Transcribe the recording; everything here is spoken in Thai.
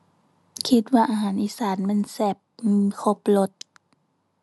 คิดว่าอาหารอีสานมันแซ่บ มันครบรส